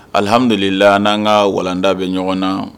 Alihamdulilalila n'an ka walanda bɛ ɲɔgɔn na